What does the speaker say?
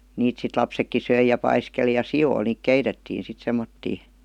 niitä sitten lapsetkin söi ja paiskeli ja sioille niitä keitettiin sitten semmoisia